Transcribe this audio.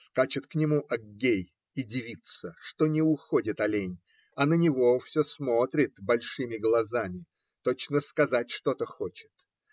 Скачет к нему Аггей и дивится, что не уходит олень, а на него все смотрит большими глазами, точно сказать что-то хочет.